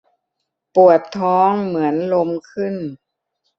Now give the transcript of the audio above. ปวดท้องเหมือนลมขึ้น